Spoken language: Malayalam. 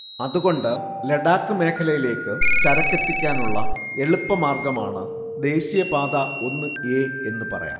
അതുകൊണ്ട് ലഡാക് മേഖലയിലേക്ക് ചരക്കെത്തിക്കാനുള്ള എളുപ്പമാർഗ്ഗമാണ് ദേശീയ പാത ഒന്ന് എ എന്നു പറയാം